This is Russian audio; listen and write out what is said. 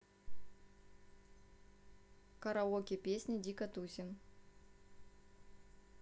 караоке песни дико тусим